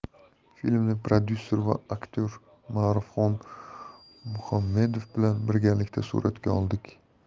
filmni prodyuser va aktyor ma'rufxon muhammedov bilan birgalikda suratga oldik